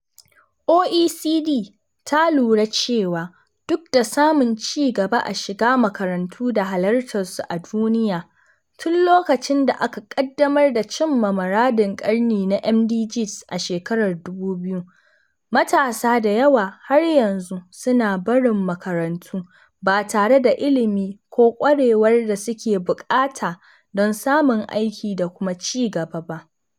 OECD ta lura cewa duk da samun ci gaba a shiga makarantu da halarta su a duniya, tun lokacin da aka ƙaddamar da cimma muradun ƙarni na MDGs a 2000, matasa da yawa har yanzu suna barin makarantu ba tare da ilimi ko ƙwarewar da suke buƙata don samun aiki da kuma ci gaba ba.